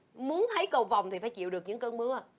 muốn thấy cầu vồng thì phải chịu được những cơn mưa